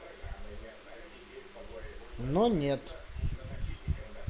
но нет